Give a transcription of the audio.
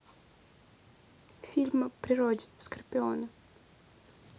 фильм о природе скорпионы